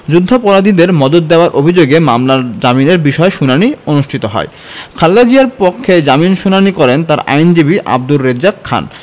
যুদ্ধাপরাধীদের মদদ দেওয়ার অভিযোগের মামলার জামিনের বিষয়ে শুনানি অনুষ্ঠিত হয় খালেদা জিয়ার পক্ষে জামিন শুনানি করেন তার আইনজীবী আব্দুর রেজ্জাক খান